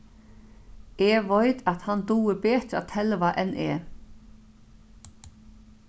eg veit at hann dugir betur at telva enn eg